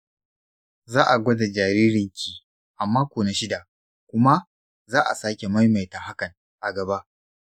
za'a gwada jaririnki a mako na shida kuma za'a sake maimaita hakan a gaba.